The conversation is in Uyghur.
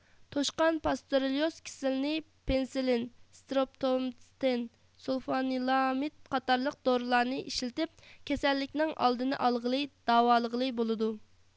توشقان پاستېرېلليۇز كېسىلىنى پېنسىلىن سىترېپتومىتسىن سۇلفانىلامىد قاتارلىق دورىلارنى ئىشلىتىپ كېسەللىكنىڭ ئالدىنى ئالغىلى داۋالىغىلى بولىدۇ